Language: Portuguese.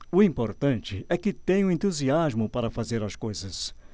o importante é que tenho entusiasmo para fazer as coisas